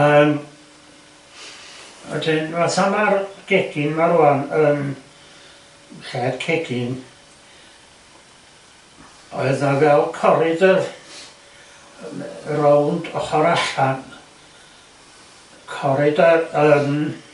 Yym wedyn fatha ma'r gegin yma rŵan yn lled cegin oedd 'na fel corridor yym rownd ochor allan corridor yn...